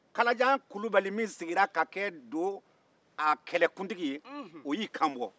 kalajan kulubali min sigira ka kɛ do a kɛlɛkuntigi ye o y'i kanbɔ